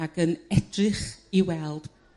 ac yn edrych i weld